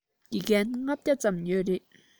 དགེ རྒན ༥༠༠ ཙམ ཡོད རེད